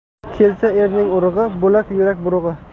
kelsa erning urug'i bo'lar yurak burug'i